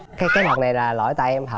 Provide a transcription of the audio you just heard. cái kế hoạch này là lỗi tại em thật